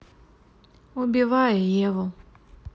убивая еву